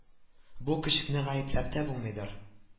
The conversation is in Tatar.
Бу көчекне гаепләп тә булмыйдыр